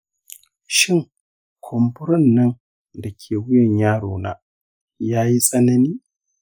shin kumburin nan da ke wuyan yaro na yayi tsanani?